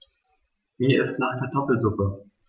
Mir ist nach Kartoffelsuppe.